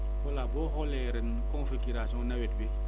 voilà boo xoolee ren configuration nawet bi